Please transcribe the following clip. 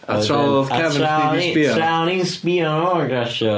A tra oedd cefn... A tra... tra o'n i'n sbio ar fo'n crasio...